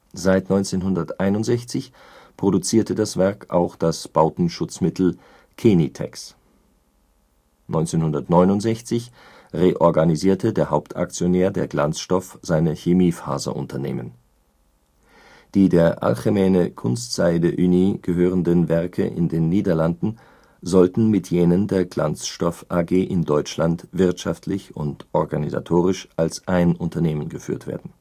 Seit 1961 produzierte das Werk auch das Bautenschutzmittel Kenitex. 1969 reorganisierte der Hauptaktionär der Glanzstoff seine Chemiefaserunternehmen. Die der Algemene Kunstzijde Unie gehörenden Werke in den Niederlanden sollten mit jenen der Glanzstoff AG in Deutschland wirtschaftlich und organisatorisch als ein Unternehmen geführt werden